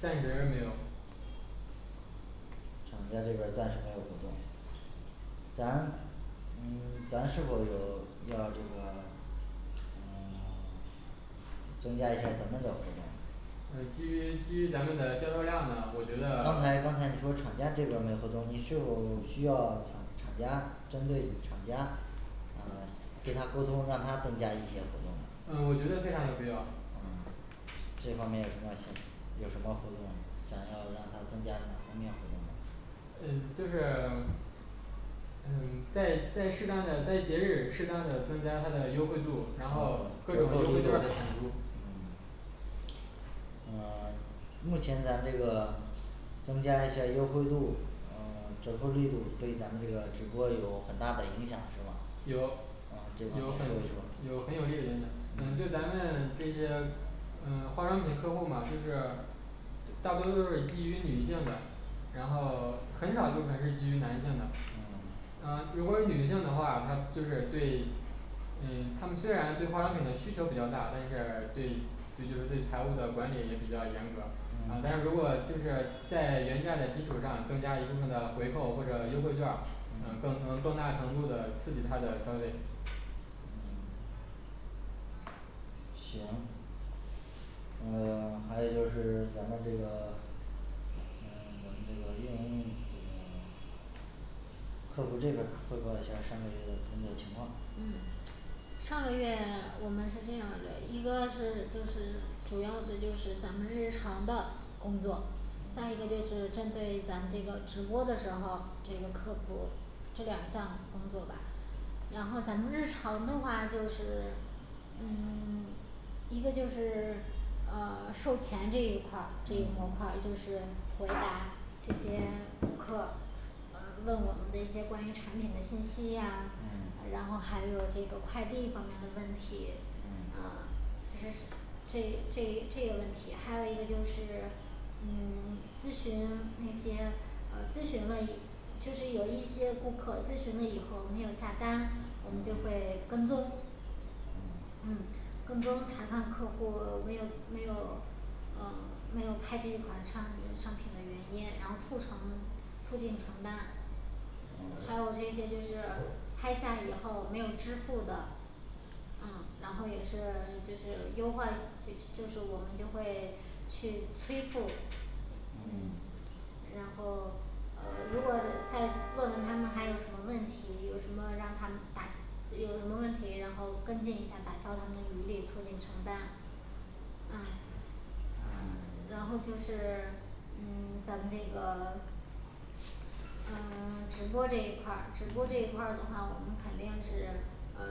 暂时没有厂家这边儿暂时没有活动。咱嗯咱是否有要这个嗯 增加一下儿咱们的活动呢嗯基于基于咱们的销售量呢，我觉得，刚才刚才你说厂家这边儿没活动你是否需要厂厂家针对厂家嗯跟他沟通，让他增加一些活动呢嗯我觉得非常有必要嗯这方面有什么想有什么活动想要让他增加哪方面活动呢嗯就是 嗯在在适当的在节日适当的增加它的优惠度，然后各种优惠劵儿嗯嗯目前咱们这个增加一下儿优惠度，嗯折扣力度对咱们这个直播有很大的影响是吗？有嗯这有方面很说一说有很有利的影响。嗯就咱们这些嗯化妆品客户嘛就是大多都是基于女性的，然后很少一部分是基于男性嗯的。啊如果是女性的话，她就是对嗯她们虽然对化妆品的需求比较大，但是对对就是对财务的管理也比较严格，啊但是嗯如果就是在原价的基础上增加一部分的回扣或者优惠劵儿，能更嗯能更大程度的刺激她的消费嗯行呃 还有就是咱们这个嗯咱们这个运营这个客服这边儿汇报一下儿上个月的工作情况嗯上个月我们是这样嘞，一个是就是主要的就是咱们日常的工作，再一个嗯就是针对咱们这个直播的时候这个客服这两项工作吧然后咱们日常的话就是，嗯 一个就是啊售前这一块儿，这一模块嗯儿就是回答这些顾客嗯问我们的一些关于产品的信息呀嗯，然后还有这个快递方面的问题嗯啊，这是这这这个问题，还有一个就是嗯 咨询那些呃咨询了一，就是有一些顾客咨询了以后没有下单，我们就会跟踪嗯嗯跟踪查看客户， 没有没有嗯没有拍这款产商品的原因，然后促成促进成单还有嗯这些就是拍下以后没有支付的，嗯然后也是就是优化，就就是我们就会去催付嗯嗯然后呃如果再问问他们还有什么问题，有什么让他们打，有什么问题然后跟进一下，打消他们的疑虑，促进成单嗯呃然后就是 嗯 咱们这个嗯 直播这一块儿直播这一块嗯儿的话，我们肯定是呃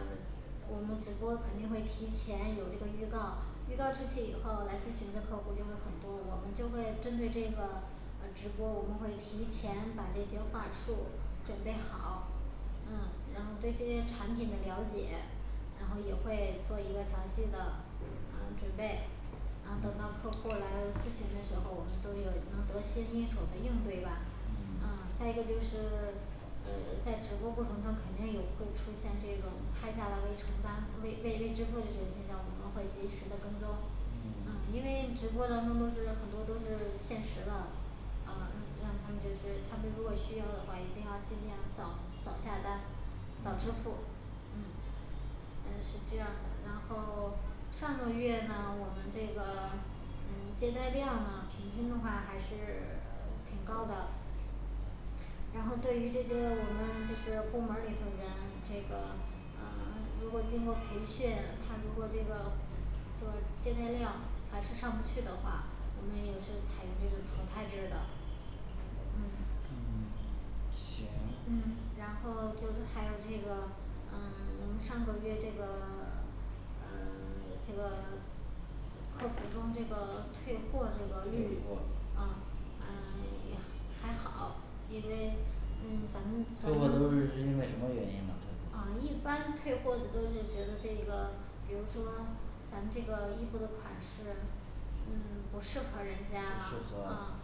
我们直播肯定会提前有这个预告预告出去以后来咨询的客户儿就会很多，我们就会针对这个呃直播，我们会提前把这些话术准备好嗯然后对这些产品的了解，然后也会做一个详细的嗯准备，然后等到客户儿来咨询的时候，我们都有能得心应手的应对吧。嗯嗯再一个就是 呃在直播过程中肯定有会出现这种拍下来未成单未未未支付这种现象，我们会及时的跟踪。嗯嗯因为直播当中都是很多都是限时的啊让 让他们就是他们如果需要的话，一定要尽量早早下单，早支付嗯嗯是这样的，然后上个月呢我们这个嗯接待量啊平均的话还是 挺高的然后对于这些我们就是部门儿里头人，这个嗯如果经过培训，他如果这个这个接待量还是上不去的话，我们也是采用这种淘汰制的嗯嗯行嗯然后就是还有这个嗯我们上个月这个 呃 这个客服中这个退货这个率退货，啊啊也还好，因为嗯咱们咱们，退货都是因为什么原因呢退啊货一般退货的都是觉得这个比如说咱们这个衣服的款式嗯不适合人家不适 合啊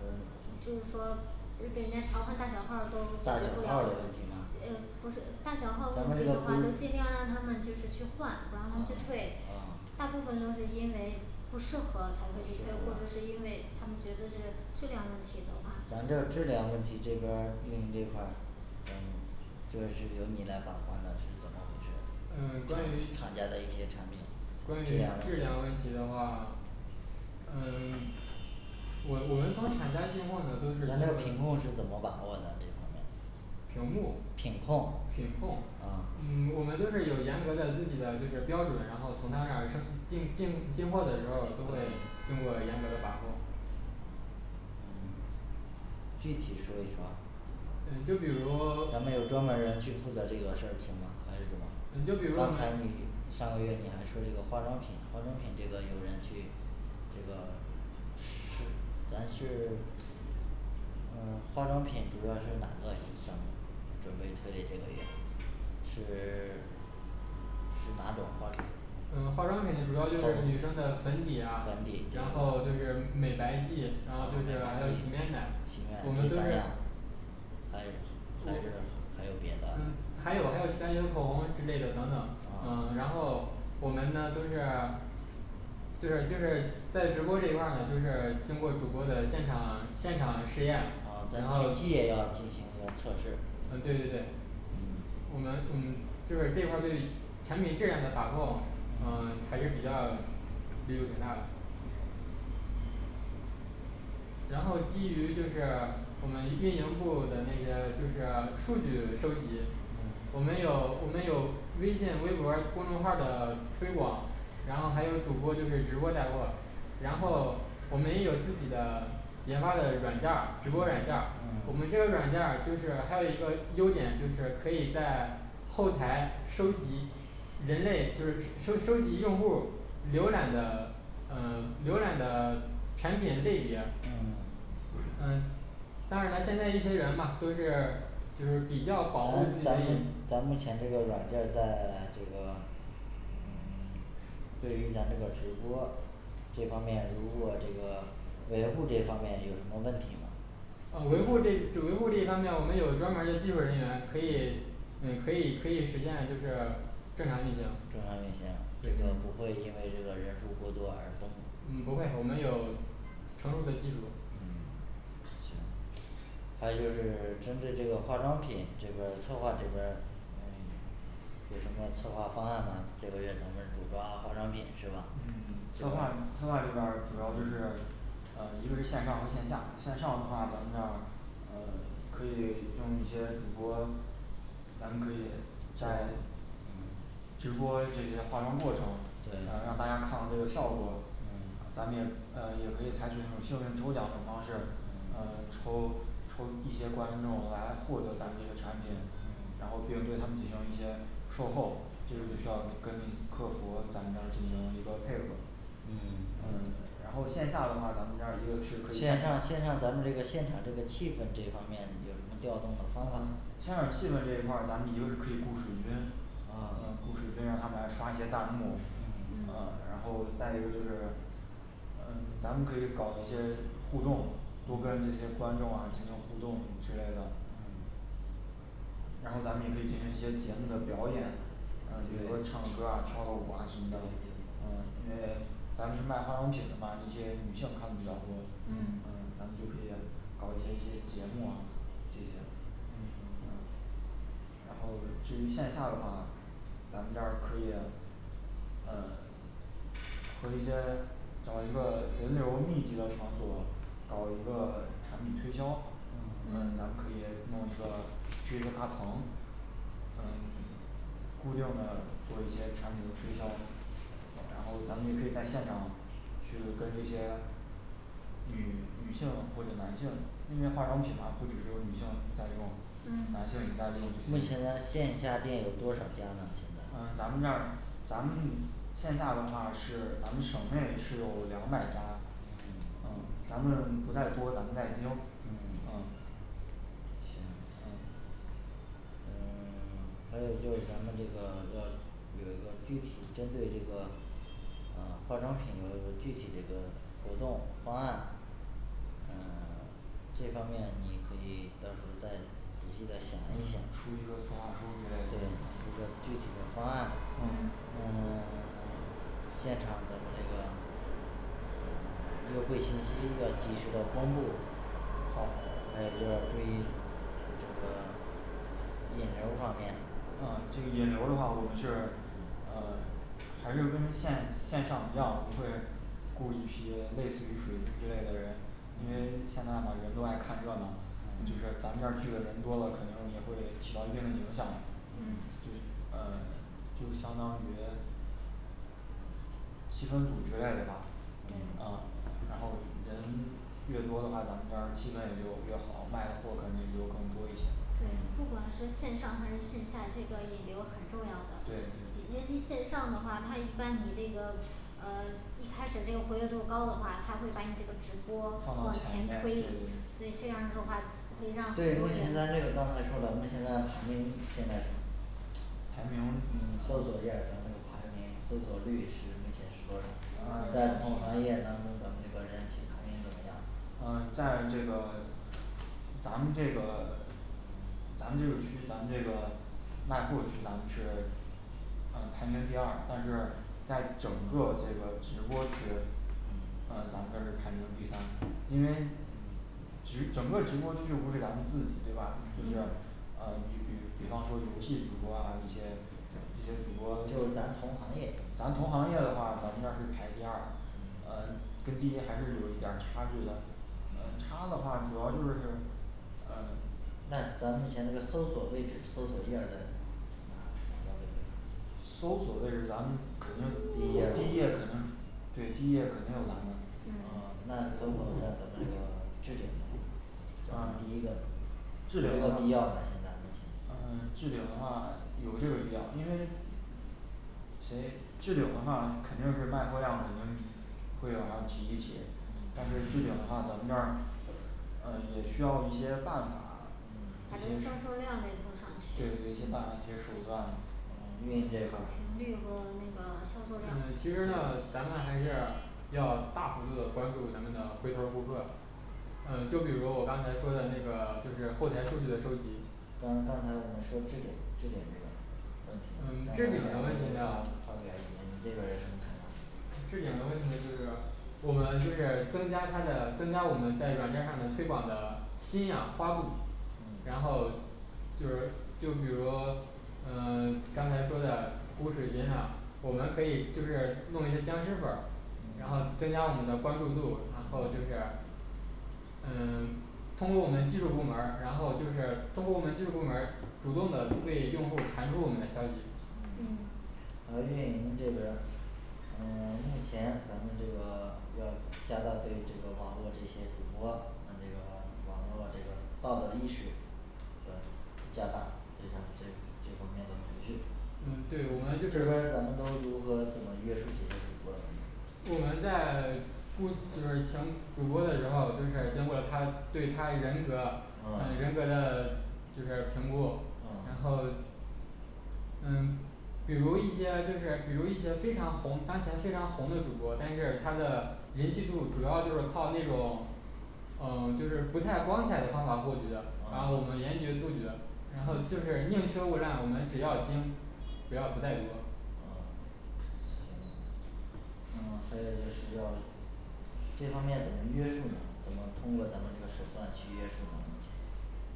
嗯就是说给人家调换大小号儿都解大小决不号了儿的的问题吗，，诶不是大小号儿咱问们题这的个不话就尽量让他们是就是去换，不让他们去退。大嗯嗯部分都是因为不适合才会去退，或者是因为他们觉得是质量问题的话，咱这儿质量问题这边儿运营这块儿嗯这是由你来把关的是怎么回事嗯儿，关于厂厂家的一些产品关于，质质量量问问题题的话嗯 我我们从厂家进货呢，都是咱这经品过控是怎么把握的这方面屏幕品控品控，啊嗯我们都是有严格的自己的就是标准，然后从他那儿生进进进货的时候儿都会经过严格的把控嗯具体说一说嗯就比如咱们有专门儿人去负责这个事儿情吗？还是怎么嗯就比？如刚才你上个月你还说这个化妆品化妆品这个有人去这个，是咱是嗯化妆品主要是哪个？商准备推嘞这月。是 是哪种方式嗯化妆品主要就是女生的粉底啊粉底，，然后就是美白啊剂，然后就美是白还有剂洗洗面面奶奶，我们这都是三样还还是还有别的嗯还有还有其他像口红之类的等等，嗯然嗯后我们呢都是就是就是在直播这一块儿呢就是，经过主播的现场现场实验嗯，咱然后前，期也要进行一个测试，嗯对对对我们嗯就是这块儿对产品质量的把控嗯还是比较力度挺大的嗯然后基于就是我们运营部的那些就是数据收集嗯，我们有我们有微信微博儿公众号儿的推广然后还有主播就是直播带货，然后我们也有自己的研发的软件儿直播软件儿，我嗯们这个软件儿就是还有一个优点，就是可以在后台收集人类就是收收集用户儿浏览的嗯浏览的产品类别嗯嗯当然了现在一些人嘛都是就是比较咱保护自己，咱咱目前这个软件儿在 这个嗯 对于咱这个直播这方面如如果这个维护这方面有什么问题吗？啊维护这就维护这一方面我们有专门儿的技术人员可以嗯可以可以实现就是正常运行，正常运行这个不嗯会因为这个人数儿过多而崩，嗯不会我们有成熟的技术嗯行还有就是针对这个化妆品这个策划这边儿，嗯有什么策划方案吗？这个月咱们主抓化妆品是吧？嗯策划策划这边儿主要就是呃一个是线上和线下，线上的话咱们这儿嗯可以用一些主播咱们可以在嗯直播这些化妆过程，对让大家看到这个效果嗯，咱们也呃也可以采取那种幸运抽奖的方式，嗯嗯抽抽一些观众来获得咱这个产品，然后嗯对这个东西进行一些售后，就需要跟客服咱们进行一个配合嗯嗯然后线下的话，咱们这儿一个是可以线上线上咱们这个现场这个气氛这方面有什么调动的方法现场气氛这一块儿咱们一个是可以雇水军，啊啊雇水军让他们来刷一些弹幕，嗯嗯嗯然后再一个就是呃咱们可以搞一些互动，多跟这些观众啊进行互动之类的嗯。嗯然后咱们也可以进行一些节目的表演，嗯比如说唱个歌儿啊跳个舞啊什么对的对嗯，因为咱们是卖化妆品的嘛那些女性看的比较多，嗯嗯咱们就可以搞一些那节目啊，这些嗯嗯然后至于线下的话，咱们这儿可以嗯和一些找一个人流儿密集的场所，搞一个产品推销，咱们嗯嗯可以弄一个巨型大棚嗯 固定的做一些产品的推销，然后咱们也可以在现场去跟这些女女性或者男性，因为化妆品嘛不只是有女性在用男性嗯也在用，目前咱线下店有多少家呢现在？嗯咱们这儿咱们线下的话是咱们省内是有两百家，嗯嗯咱们不在多咱们在精嗯嗯行嗯嗯 还有就是咱们这个要有一个具体针对这个呃化妆品的具体的一个活动方案嗯 这方面你可以到时候再仔细的嗯想一想，出一个策划书之类对出的一个具体的方案嗯呃 现场的这个优惠信息要及时的公布。还有好一个要注意，这个引流儿方面啊这个引流儿的话我们是嗯呃还是跟线线上一样，我们会雇一批类似于水军之类的人因为嗯现在嘛人都爱看热闹，就是嗯嗯咱们这儿聚的人多了，肯定也会起到一定的影响就嗯呃就相当于气氛组之类的吧。啊对，然后人越多的话，咱们家的气氛也就越好，卖的货肯定就更多一些对，不管是线上还是线下这个引流很重要的。 业绩对对线上的话它一般你这个呃一开始这个活跃度高的话，它会把你这个直播往前推，所以这样儿的话可以让很多对目前咱这人个刚才说了，目前咱排名现在是排名嗯搜索页儿咱们这个排名搜索率是目前是多少，在同行业当中咱们这个人气排名怎么样嗯在这个咱们这个嗯咱们这个区域咱们这个卖货区咱们是嗯排名第二但是在整个这个直播区嗯咱们这儿是排名第三。因为嗯其实整个直播区又不是咱们自己对吧？就是嗯啊比比比方说游戏主播啊一些这些主播，就是咱同行业咱同行业的话，咱们这儿是排第二，嗯嗯跟第一还是有一点儿差距的嗯差的话主要就是嗯那咱目前这个搜索位置搜索页儿在哪儿哪一个位置搜索位置咱们肯定第一页肯定对第一页肯定有咱们呃嗯。呃那可否让咱们这个置顶呢放第一个，有这个必要吗现在目置顶前？嗯置顶的话有这个必要因为谁置顶的话，肯定是卖货量肯定会往上提一提，但嗯是置顶的话咱们这儿呃也到需时候要一些办法把一这个些销售量得做上去，对一些办法一些手段。嗯运营这一好块儿，评率和那个销售嗯量其实呢咱们还是要大幅度地关注咱们的回头儿顾客呃就比如我刚才说的那个就是后台数据的收集，刚刚才我们说置顶置顶这个问题，你嗯这置边顶儿的问题呢有什么看法置顶的问题呢就是我们就是增加它的增加，我们在软件儿上的推广的新样花度嗯然后就是就比如嗯 刚才说的雇水军呀我们可以就是弄一些僵尸粉儿，然后增加我们的关注度然后就是嗯通过我们技术部门儿，然后就是通过我们技术部门儿主动的为用户弹出我们的消息嗯嗯然后运营这边儿嗯 目前咱们这个要加大对这个网络这些主播这个网络这个道德意识嗯加大这个这个这方面的一个培训这方面嗯对，我们就是，儿咱们都如何怎么约束这些主播的呢我们在播 就是请主播的时候，就是经过他对他人格嗯人嗯格的就是评估，然嗯后嗯比如一些就是比如一些非常红当前非常红的主播，但是他的人气度主要就是靠那种嗯就是不太光彩的方法获取的，然后我们嗯严绝杜绝然后就嗯是宁缺毋滥，我们只要精不要不在多啊行嗯还有就是要这方面怎么约束呢，怎么通过咱们这个手段去约束呢目前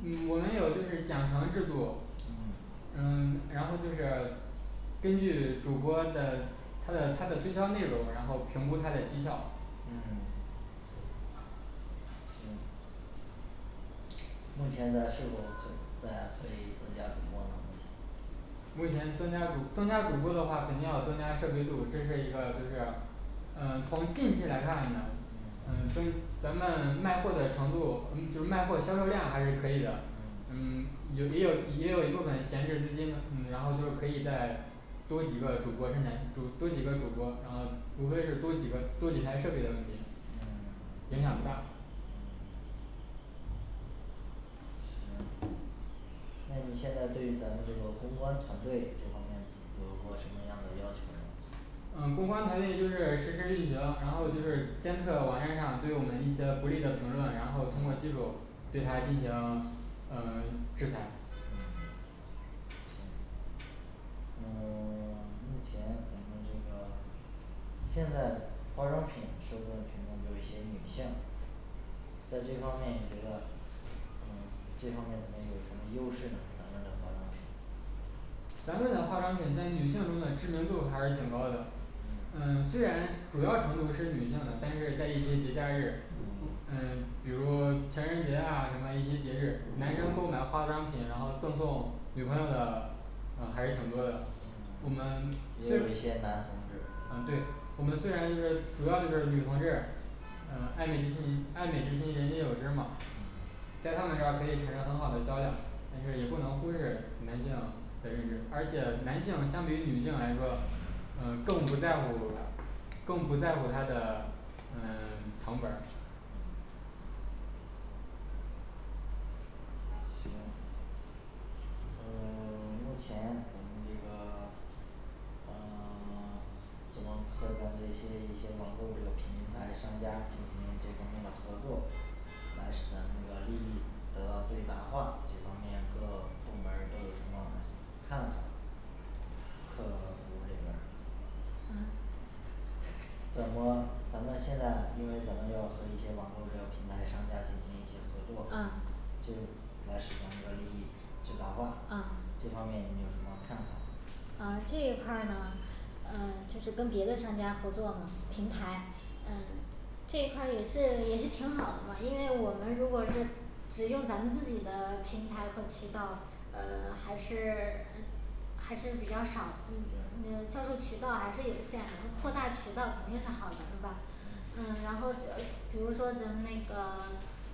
嗯我们有就是奖惩制度，嗯嗯然后就是根据主播的他的他的推销内容，然后评估他的绩效嗯行目前咱是否很再可以增加主播呢目前目前增加主增加主播的话肯定要增加设备度，这是一个。就是嗯从近期来看呢，嗯嗯增咱们卖货的程度嗯就是卖货销售量还是可以的，嗯嗯有也有也有一部分闲置资金的，嗯然后可以在多几个主播主多几个主播，然后无非是多几个多几台设备的问题，嗯影响不大。嗯行那你现在对咱们这个公关团队这方面有过什么样的要求呢嗯公关团队就是实时运行，然后就是监嗯测网站上对我们一些不利的评论，然后通过技术嗯对他进行嗯制裁嗯行嗯 目前咱们这个现在化妆品受众群众都是一些女性在这方面你觉得嗯这方面咱们有什么优势呢咱们的化妆品咱们的化妆品在女性中的知名度还是挺高的，嗯嗯虽然主要程度是女性的，但是在一些节假日嗯，嗯比如情人节呀什么一些节日，男生购买化妆品，然后赠送女朋友的嗯还是挺多的，我嗯们，也虽有一些男同志嗯对，我们虽然就是主要就是女同志呃爱美之心爱美之心人皆有之嘛，在他们这儿可以产生很好的销量，但是也不能忽视男性的认知，而且男性相比女性来说，呃更不在乎更不在乎他的呃成本儿，嗯行嗯 目前咱们这个嗯 怎么和咱这些一些网购这个平台商家进行这方面的合作来使咱们这个利益得到最大化，这方面各部门儿都有什么看法儿？客服这边儿嗯怎么咱们现在因为咱们要和一些网购这个平台商家进行一些合作啊，就是来使咱这个利益，最大化啊这方面你有什么看法啊这一块儿呢嗯就是跟别的商家合作嘛平台嗯这一块儿也是也是挺好的嘛，因为我们如果是只用咱们自己的平台和渠道呃还是嗯还是比较少嗯对嗯，销售渠道还是有限的，扩大渠嗯道肯定是好的是吧？嗯嗯然后比如说咱们那个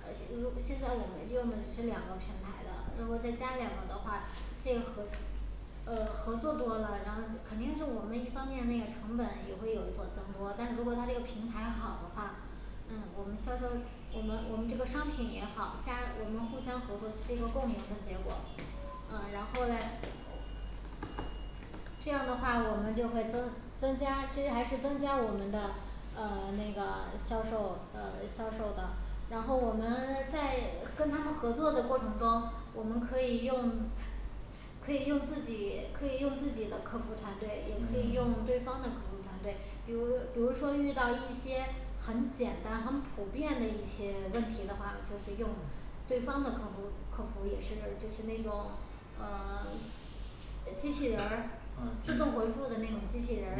呃如现在我们用的是两个平台的，如果再加两个的话，这个合呃合作多了，然后肯定是我们一方面那个成本也会有所增多，但是如果他这个平台好的话嗯我们销售我们我们这个商品也好，加我们互相合作是一个共赢的结果，嗯然后嘞呃这样的话我们就会增增加，其实还是增加我们的呃那个销售呃。销售的然后我们在跟他们合作的过程中，我们可以用可以用自己可以用自己的客服团队，也可以嗯用对方的客服团队，比如比如说遇到一些很简单很普遍的一些问题的话，就是用对方的客服，客服也是就是那种呃 呃机器人嗯可以，可以可以对儿自动回复的那种机器人儿